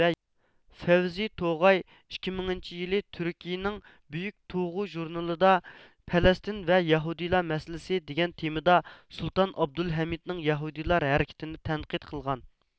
فەۋزى توغاي ئىككى مىڭىنچى يىلى تۈركىيىنىڭ بۈيۈك توغۇ ژۇرنىلىدا پەلەستىن ۋە يەھۇدىيلار مەسىلىسى دېگەن تېمىدا سۇلتان ئابدۇلھەمىدنىڭ يەھۇدىيلار ھەرىكىتىنى تەنقىد قىلغان